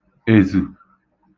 èzù